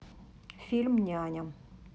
фильм няня